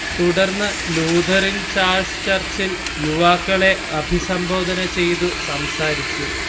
തുടർന്ന് Lutheran Charles ചർച്ചിൽ യുവാക്കളെ അഭിസംബോധന ചെയ്തു സംസാരിച്ചു